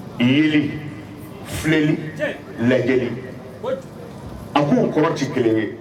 Ye filen lajɛli a k'u kɔrɔ tɛ kelen ye